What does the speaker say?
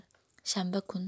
shanba kuni